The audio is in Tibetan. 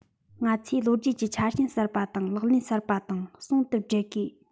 ང ཚོས ལོ རྒྱུས ཀྱི ཆ རྐྱེན གསར པ དང ལག ལེན གསར པ དང ཟུང དུ སྦྲེལ དགོས